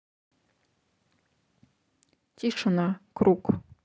тишина круг